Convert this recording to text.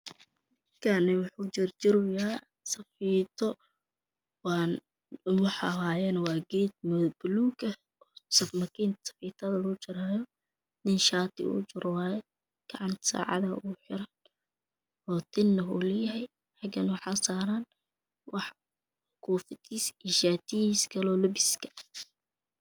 Nin kaan wuxuu jar jaroya safiito waxawayana geed bulug ah ma kiinta safitada lagu jaraayo nin shaati igu jiro wayay gacanta sacad igu xiran otinla woo layahy xagana waxa saran kofitisa iyo shatigisa iyo labiskisa